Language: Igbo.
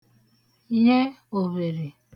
nye òvhèrè